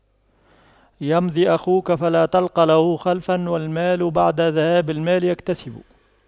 يمضي أخوك فلا تلقى له خلفا والمال بعد ذهاب المال يكتسب